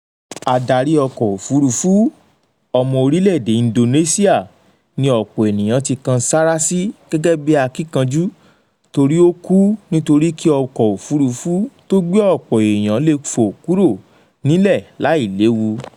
Adarí ọkọ̀-òfúrufú, ọmọ orílẹ̀-èdè Indonesia, ni ọ̀pọ̀ èèyàn ti kan sárá sí gẹ́gẹ́ bí akínkanjú torí ó kú nítorí kí ọkọ̀-òfúrufú tó gbé ọ̀pọ̀ èèyàn lè fò kúrò nílẹ̀ láì léwu.